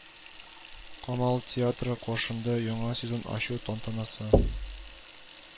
Камал театры каршында яңа сезон ачу тантанасы